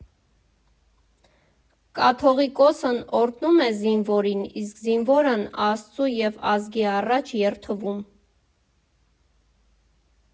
Կաթողիկոսն օրհնում է զինվորին, իսկ զինվորն Աստծու և ազգի առաջ՝ երդվում։